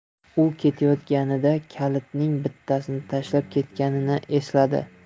u ketayotganida kalitning bittasini tashlab ketganini esladi